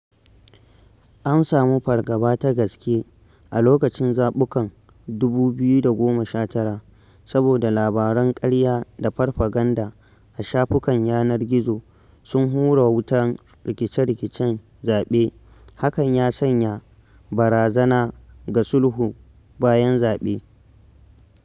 An samu fargaba ta gaske a lokacin zaɓukan 2019 saboda labaran ƙarya da farfaganda a shafukan yanar gizo sun hura wutar rikice-rikicen zaɓe hakan ya sanya "barazana ga sulhu bayan zaɓe".